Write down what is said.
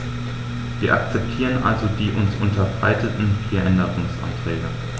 Wir akzeptieren also die uns unterbreiteten vier Änderungsanträge.